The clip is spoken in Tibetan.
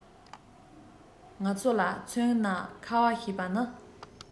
ང ཚོ ལ མཚོན ན ཁ བ ཞེས པ ནི